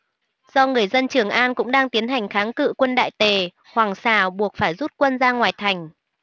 do người dân trường an cũng đang tiến hành kháng cự lại quân đại tề hoàng sào buộc phải rút quân ra ngoài thành